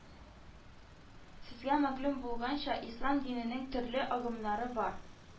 Сезгә мәгълүм булганча, ислам диненең төрле агымнары бар